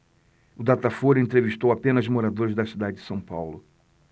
o datafolha entrevistou apenas moradores da cidade de são paulo